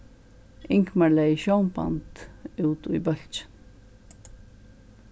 ingmar legði sjónband út í bólkin